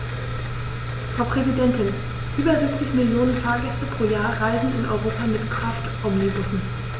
Frau Präsidentin, über 70 Millionen Fahrgäste pro Jahr reisen in Europa mit Kraftomnibussen.